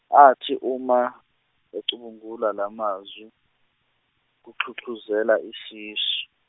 athi uma, ecubungula lamazwi kuxhuxhuzela isisu.